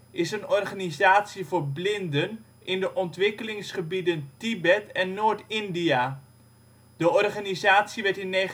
is een organisatie voor blinden in de ontwikkelingsgebieden Tibet en Noord-India. De organisatie werd in 1998